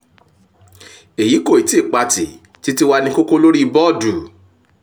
Eyi koiti Pati titi waa ni koko Lori boodu.